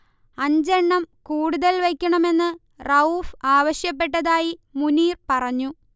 അഞ്ചെണ്ണം കൂടുതൽ വയ്ക്കണമെന്ന് റഊഫ് ആവശ്യപ്പെട്ടതായി മുനീർ പറഞ്ഞു